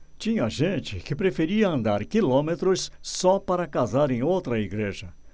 tinha gente que preferia andar quilômetros só para casar em outra igreja